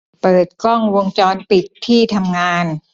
เปิดกล้องวงจรปิดที่ทำงาน